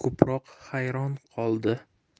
ko'proq hayron qoldi